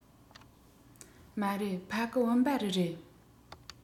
མ རེད ཕ གི བུམ པ རི རེད